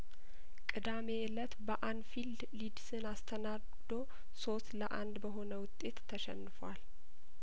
ቅዳሜ እለት በአንፊልድ ሊድስን አስተናግ ዶ ሶስት ለአንድ በሆነ ውጤት ተሸንፏል